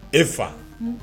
E fa